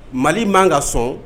Mali man ka sɔn